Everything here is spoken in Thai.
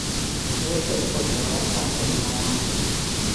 รู้สึกปวดหัวตอนตื่นนอน